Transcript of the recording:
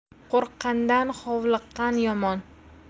qo'rqqandan hovliqqan yomon